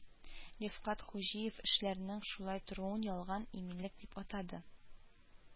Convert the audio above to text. Рифкать Хуҗиев эшләрнең шулай торуын ялган иминлек дип атады